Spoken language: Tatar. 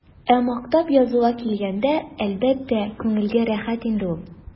Ә мактап язуга килгәндә, әлбәттә, күңелгә рәхәт инде ул.